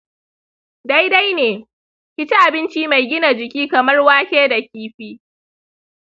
daidai ne; ki ci abinci mai gina jiki kamar wake da kifi.